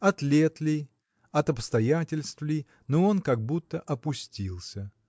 От лет ли, от обстоятельств ли, но он как будто опустился.